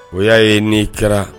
O y'a ye ni kɛra